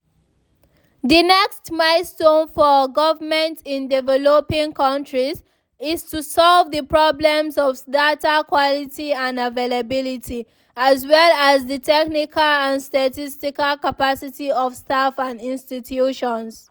The next milestone for governments in developing countries is to solve the problems of data quality and availability, as well as the technical and statistical capacity of staff and institutions.